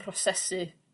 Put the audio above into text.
...prosesu